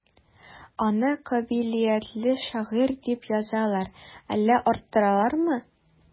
Аны кабилиятле шагыйрь дип язалар, әллә арттыралармы?